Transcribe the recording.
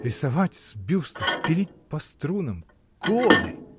Рисовать с бюстов, пилить по струнам — годы!